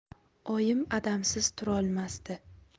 oyim odamsiz turolmasdi